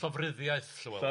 Llofruddiaeth Llywelyn.